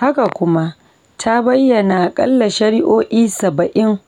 Haka kuma ta bayyana aƙalla shari'o'i 70